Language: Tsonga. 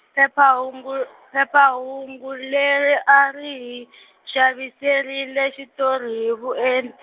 phephahungu phephahungu leri a ri hi xaviserile xitori hi vuent-.